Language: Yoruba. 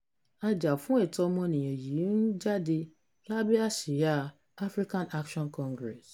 Ajà-fún-ẹ̀tọ́-ọmọnìyàn yìí ń jáde lábẹ́ àsíá African Action Congress.